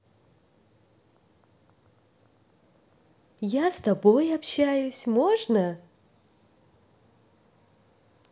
я с тобой общаюсь можно